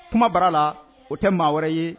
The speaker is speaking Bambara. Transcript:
Kuma baara la o tɛ maa wɛrɛ ye